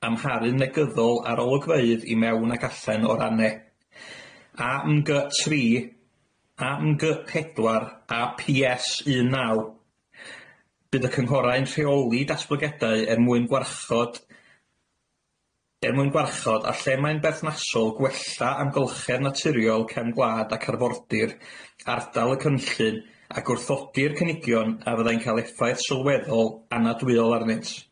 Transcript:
amharu'n negyddol ar olygfeydd i mewn ag allan o ranne. a my gy tri a my gy pedwar a pi es un naw. Bydd y cynghorau'n rheoli datblygiadau er mwyn gwarchod, er mwyn gwarchod a lle mae'n berthnasol gwella amgylchedd naturiol cefn gwlad ac arfordir ardal y cynllun a gwrthogi'r cynigion a fyddai'n ca'l effaith sylweddol anadwyol arnynt.